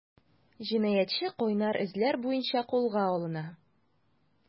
Җинаятьче “кайнар эзләр” буенча кулга алына.